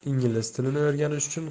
ingliz tilini o'rganish uchun